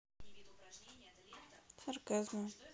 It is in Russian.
сарказма